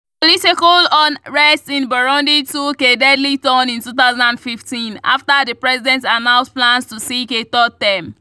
...Political unrest in Burundi took a deadly turn in 2015 after the president announced plans to seek a third term.